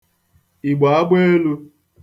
Ìgbò Agbeelū